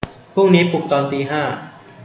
พรุ่งนี้ปลุกตอนตีห้า